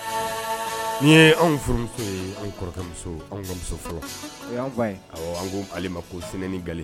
N ye anw furumuso ye an kɔrɔkɛ anw ka muso fɔlɔ an ko sɛnɛ ga